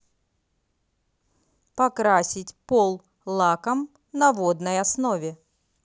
покрасить пол лаком на водной основе